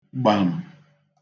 gbàm